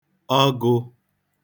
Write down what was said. ọgụ̄